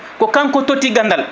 ko kanko totti gandal